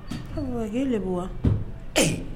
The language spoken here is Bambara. Ayiwa i le wa